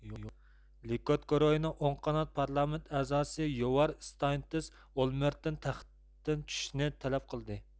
لىكۇد گۇرۇھىنىڭ ئوڭ قانات پارلامېنت ئەزاسى يۇۋار ستاينىتىس ئولمېىرتتىن تەختتىن چۈشۈشنى تەلەپ قىلدى